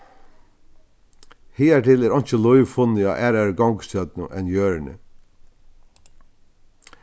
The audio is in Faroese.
higartil er einki lív funnið á aðrari gongustjørnu enn jørðini